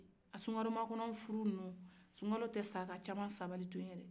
a sunkalo makɔnɔ furu ninnu sunkalo tɛ sa ka caman sabali to ye yɛrɛ